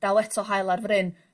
daw eto haul ar fryn.